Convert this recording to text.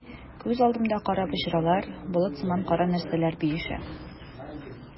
Күз алдымда кара боҗралар, болыт сыман кара нәрсәләр биешә.